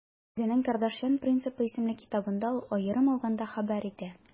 Үзенең «Кардашьян принципы» исемле китабында ул, аерым алганда, хәбәр итә: